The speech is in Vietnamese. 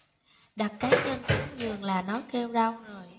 đặt cái chân xuống giường là nó kêu đau rồi